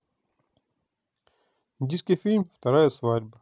индийский фильм вторая свадьба